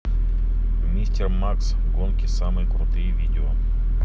мистер макс гонки самые крутые видео